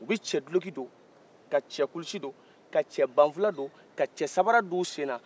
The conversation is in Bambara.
u bɛ cɛdilɔki don ka cɛkulusi don ka cɛbanfila don ka cɛsanbara don u sen na